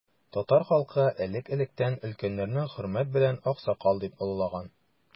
Татар халкы элек-электән өлкәннәрне хөрмәт белән аксакал дип олылаган.